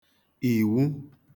ìwu